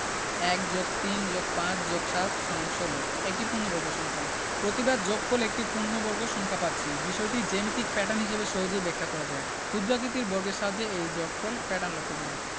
১+৩+৫+৭=১৬ একটি পূর্ণবর্গ সংখ্যা প্রতিবার যগফল একটি পূর্ণবর্গ সংখ্যা পাচ্ছি বিষয়টি জ্যামিতিক প্যাটার্ন হিসেবে সহজেই ব্যাখ্যা করা যায় ক্ষুদ্রাকৃতির বর্গের সাহায্যে এই যোগফল প্যাটার্ন লক্ষ করি